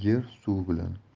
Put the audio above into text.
yer suv bilan